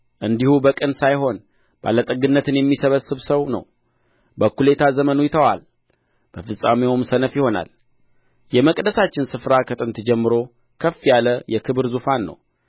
እንዲሁ በቅን ሳይሆን ባለጠግነትን የሚሰበስብ ሰው ነው በእኩሌታ ዘመኑ ይተወዋል በፍጻሜውም ሰነፍ ይሆናል የመቅደሳችን ስፍራ ከጥንት ጀምሮ ክፍ ያለ የክብር ዙፋን ነው